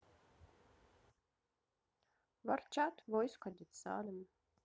ворчат войско детсадом